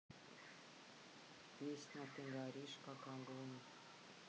песня ты горишь как огонь